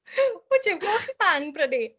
O jiw, glywoch chi bang bryd 'ny?